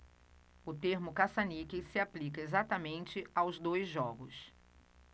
o termo caça-níqueis se aplica exatamente aos dois jogos